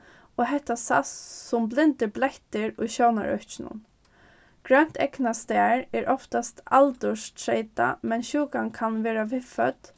og hetta sæst sum blindir blettir í sjónarøkinum grønt eygnastar er oftast aldurstreytað men sjúkan kann vera viðfødd